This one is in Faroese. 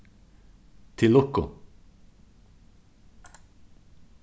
til lukku